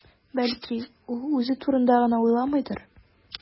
Бәлки, ул үзе турында гына уйламыйдыр?